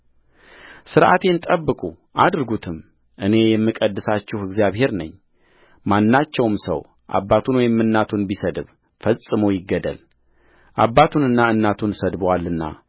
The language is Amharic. ሥርዓቴን ጠብቁ አድርጉትም እኔ የምቀድሳችሁ እግዚአብሔር ነኝማናቸውም ሰው አባቱን ወይም እናቱን ቢሰድብ ፈጽሞ ይገደል አባቱንና እናቱን ሰድቦአልና